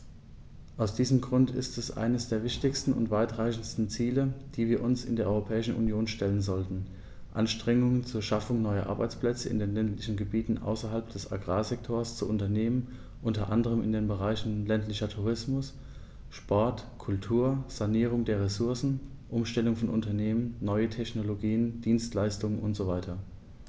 Aus diesem Grund ist es eines der wichtigsten und weitreichendsten Ziele, die wir uns in der Europäischen Union stellen sollten, Anstrengungen zur Schaffung neuer Arbeitsplätze in den ländlichen Gebieten außerhalb des Agrarsektors zu unternehmen, unter anderem in den Bereichen ländlicher Tourismus, Sport, Kultur, Sanierung der Ressourcen, Umstellung von Unternehmen, neue Technologien, Dienstleistungen usw.